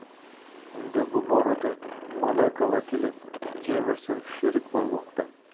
unga bu borada monako vakili jemerson sherik bo'lmoqda